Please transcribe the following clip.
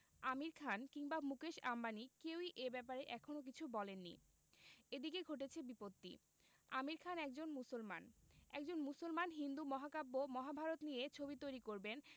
আমির খান কিংবা মুকেশ আম্বানি কেউই এ ব্যাপারে এখনো কিছু বলেননি এদিকে ঘটেছে বিপত্তি আমির খান একজন মুসলমান একজন মুসলমান হিন্দু মহাকাব্য মহাভারত নিয়ে ছবি তৈরি করবেন